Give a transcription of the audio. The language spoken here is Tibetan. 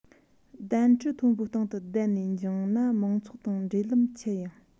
གདན ཁྲི མཐོན པོའི སྟེང དུ བསྡད ནས འགྱིངས ན མང ཚོགས དང འབྲེལ ལམ ཆད ཡོང